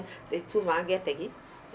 te souvent gerte gi